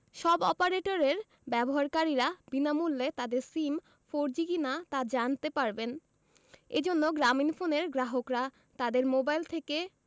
সব অপারেটরের ব্যবহারকারীরা বিনামূল্যে তাদের সিম ফোরজি কিনা তা জানতে পারবেন এ জন্য গ্রামীণফোনের গ্রাহকরা তাদের মোবাইল থেকে